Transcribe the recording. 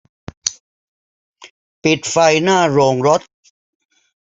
ปิดไฟหน้าโรงรถ